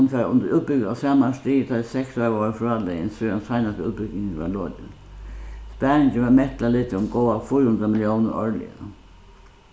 kundi fara undir útbúgving á sama stigi tá ið seks ár vóru fráliðin síðan seinasta útbúgvingin varð lokin sparingin varð mett til at liggja um góðar fýra hundrað milliónir árliga